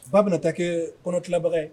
Ba bɛna taa kɛ kɔnɔ tilabaga ye !